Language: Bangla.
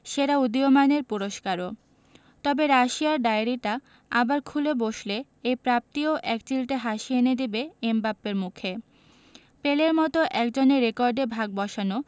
সেরা উদীয়মানের পুরস্কারও তবে রাশিয়ার ডায়েরিটা আবার খুলে বসলে এই প্রাপ্তি ও একচিলতে হাসি এনে দেবে এমবাপ্পের মুখে পেলের মতো একজনের রেকর্ডে ভাগ বসানো